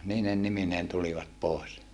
niine nimineen tulivat pois